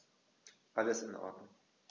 Alles in Ordnung.